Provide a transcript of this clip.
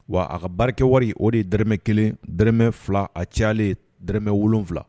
Wa a ka baarakɛ wari o de ye dɛrɛmɛ kelen dmɛ fila a cayalen dmɛ wolonfila